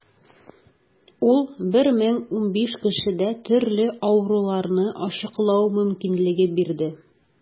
Ул 1015 кешедә төрле авыруларны ачыклау мөмкинлеге бирде.